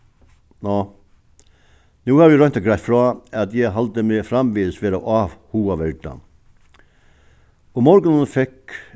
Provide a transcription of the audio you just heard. ná nú havi eg roynt at greitt frá at eg haldi meg framvegis vera áhugaverda um morgunin fekk